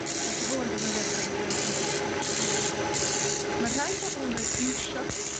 ma' pobol yn defnyddio dreifio yn eitha amal. Ma' rhai pobol yn deud iwsio.